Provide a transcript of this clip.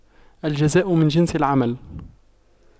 الجزاء من جنس العمل